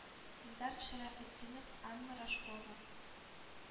Илдар Шәрәфетдинов, Анна Рожкова